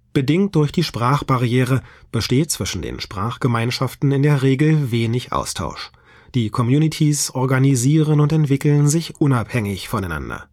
Bedingt durch die Sprachbarriere besteht zwischen den Sprachgemeinschaften in der Regel wenig Austausch; die Communitys organisieren und entwickeln sich unabhängig voneinander